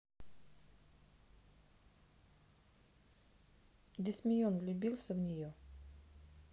desmeon влюбился в нее